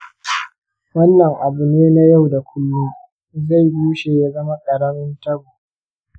wannan abu ne na yau da kullum; zai bushe ya zama karamin tabo.